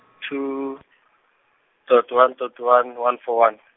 two, dot one dot one one four one.